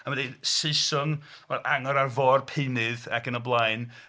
A wedyn Saeson ac yn y blaen.